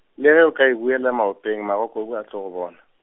le ge o ka e buela maopeng magokobu a tlo go bona.